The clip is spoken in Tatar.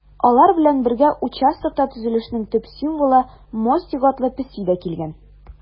Алар белән бергә участокта төзелешнең төп символы - Мостик атлы песи дә килгән.